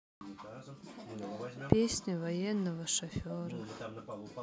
песня военного шофера